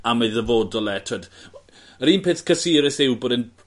am ei ddyfodol e t'wod yr un peth cysurus yw bod e'n